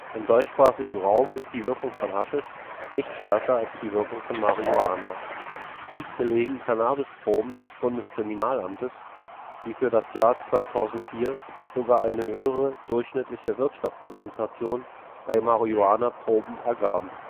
deutschsprachigen Raum ist die Wirkung von Haschisch nicht stärker als die Wirkung von Marihuana. Dies belegen Cannabisproben des Bundeskriminalamtes, die für das Jahr 2004 sogar eine höhere durchschnittliche Wirkstoffkonzentration bei Marihuanaproben ergaben